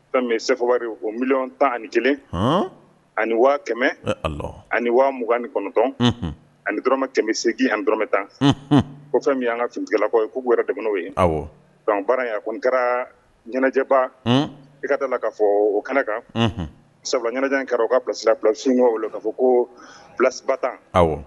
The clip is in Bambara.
Fɛn seri ko mi tan ani kelen ani waa kɛmɛ ani wa mugan ni kɔnɔntɔn ani durama kɛmɛ segingin ani dɔrɔmɛ tan o fɛn min an kakɛlakɔ ye kou dɛ ye baara a ko n kɛra ɲɛnajɛba i ka taa k'a fɔ o kana kan saba ɲɛnajɛ kɛra u ka psilasiko o la k kaa fɔ ko psiba tan aw